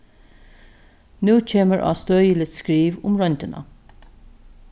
nú kemur ástøðiligt skriv um royndina